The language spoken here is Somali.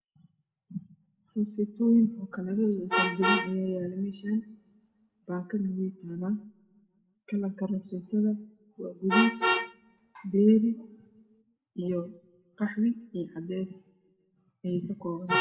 Rustoyin oo jalardoda kala dugan aya mesh yalo bakana weytala kalarka rostoyinka waa gaduud beeri io qahwo io cades ayey kakobntayhya